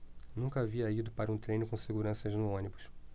nunca havia ido para um treino com seguranças no ônibus